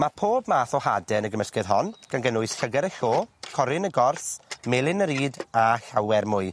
Ma' pob math o hade yn y gymysgedd hon, gan gynnwys llyged y llo, coryn y gors, melyn yr ŷd, a llawer mwy.